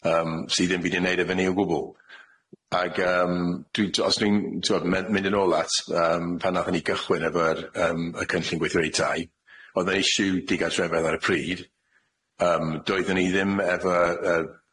Yym sy ddim byd yn neud efo ni o gwbwl ag yym dwi t- os dwi'n t'wod me- mynd yn ôl at yym pan nathon ni gychwyn efo'r yym y cynllun gweithio reitau o'dd e issue digartrefedd ar y pryd yym doeddwn i ddim efo yy